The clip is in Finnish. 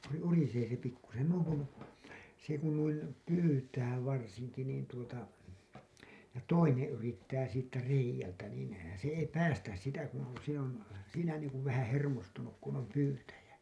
se urisee se pikkuisen noin kun se kun noin pyytää varsinkin niin tuota ja toinen yrittää siitä reiältä niin se ei päästä sitä kun se on siinä niin kuin vähän hermostunut kun on pyytäjä